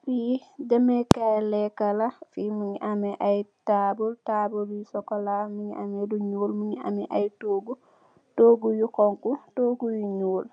Fi dèmèkaay lekka la, fi mungi ameh ay taabul, taabul yu sokola, mungi ameh lu ñuul, mungi ameh ay toogu. Toogu yu honku, toogu yu ñuul